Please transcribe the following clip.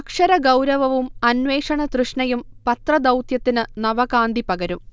അക്ഷരഗൗരവവും അന്വേഷണ തൃഷ്ണയും പത്ര ദൗത്യത്തിന് നവകാന്തി പകരും